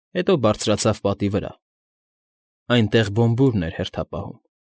Հետո բարձրացավ պատի վրա։ Այնտեղ Բոմբուրն էր հերթապահում։ ֊